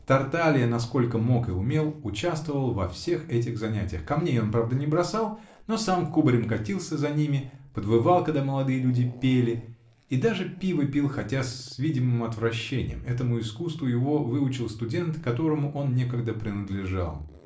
Тарталья, насколько мог и умел, участвовал во всех этих занятиях: камней он, правда, не бросал, но сам кубарем катился за ними, подвывал, когда молодые люди пели, и даже пиво пил, хотя с видимым отвращением: этому искусству его выучил студент, которому он некогда принадлежал.